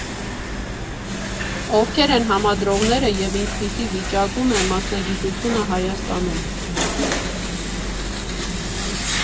Ովքեր են համադրողները և ինչպիսի վիճակում է մասնագիտությունը Հայաստանում։